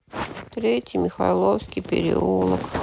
третий михалковский переулок